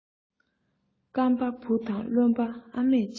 སྐམ པ བུ དང རློན པ ཕ མས བྱེད